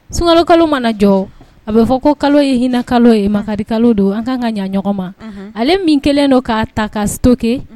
Sunkalo kalo mana jɔ a bɛ fɔ ko kalo ye hinɛ kalo ye makari kalo don an ka kan ka ɲɛ ɲɔgɔn ma ale min kɛlen don k'a ta ka stocker